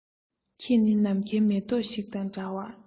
ཁྱེད ནི ནམ མཁའི མེ ཏོག ཞིག དང འདྲ བར